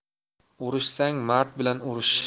urishsang mard bilan urish